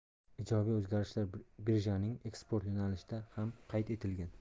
ijobiy o'zgarishlar birjaning eksport yo'nalishida ham qayd etilgan